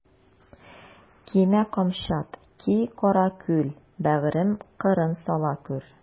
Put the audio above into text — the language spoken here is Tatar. Мәсәлән: Кимә камчат, ки каракүл, бәгърем, кырын сала күр.